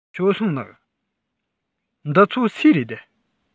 ཞའོ སུང ལགས འདི ཚོ སུའི རེད